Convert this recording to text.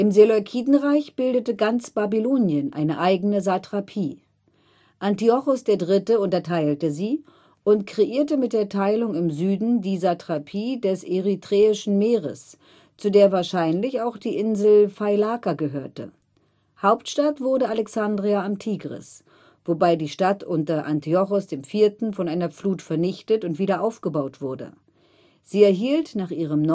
Seleukidenreich bildete ganz Babylonien eine eigene Satrapie. Antiochos III. unterteilte sie und kreierte mit der Teilung im Süden die Satrapie des Erythräischen Meeres, zu der wahrscheinlich auch die Insel Failaka gehörte. Hauptstadt wurde Alexandria am Tigris, wobei die Stadt unter Antiochos IV. von einer Flut vernichtet und wieder aufgebaut wurde. Sie erhielt nach ihrem